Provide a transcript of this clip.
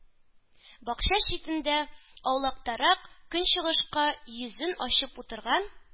Бакча читендә, аулактарак, көнчыгышка йөзен ачып утырган